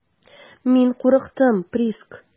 Мин курыктым, Приск.